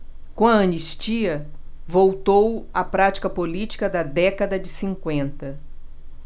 com a anistia voltou a prática política da década de cinquenta